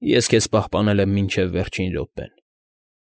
Ես քեզ պահպանել եմ մինչև վերջին րոպեն։